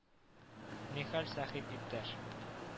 Нихәл, Сәхип иптәш